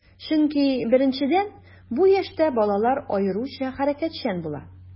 Чөнки, беренчедән, бу яшьтә балалар аеруча хәрәкәтчән була.